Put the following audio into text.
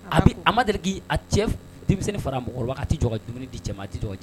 A bɛdki a cɛ denmisɛnnin fara mɔgɔ a tɛ jɔ ka dumuni di cɛ tɛ dɔgɔ